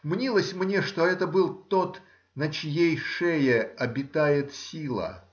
Мнилось мне, что это был тот, на чьей шее обитает сила